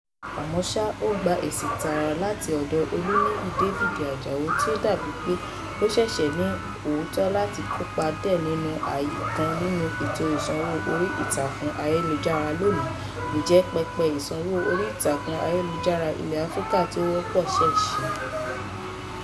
Àmọ́ ṣá, ó gba èsì tààrà láti ọ̀dọ̀ Oluniyi David Àjàó tí ó ń dábàá pé ó ṣeé ṣe ní tòótọ́ láti kópa dé àwọn ààyè kan nínú ètò ìṣòwò orí ìtàkùn ayélujára lónìí: Ǹjẹ́ pẹpẹ ìṣòwò orí ìtàkùn ayélujára ilẹ̀ Áfríkà tí ó wọ́pọ̀ ṣeé ṣe?